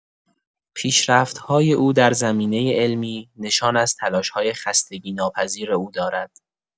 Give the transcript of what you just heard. پیشرفت‌های او در زمینه علمی نشان از تلاش‌های خستگی‌ناپذیر او دارد.